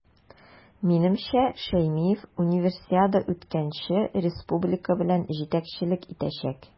Минемчә, Шәймиев Универсиада үткәнче республика белән җитәкчелек итәчәк.